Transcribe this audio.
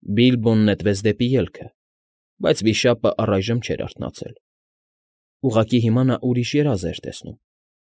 Բիլբոն նետվեց դեպի ելքը։ Բայց վիշապն առայժմ չէր արթնացել, ուղղակի հիմա նա ուրիշ երազ էր տեսնում։